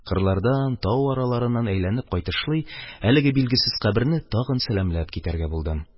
Кырлардан, тау араларыннан әйләнеп кайтышлый, әлеге билгесез каберне тагын сәламләп китәргә булдым